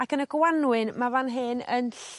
ac yn y Gwanwyn ma' fan hyn yn